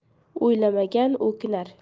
o'ylamagan o'kinar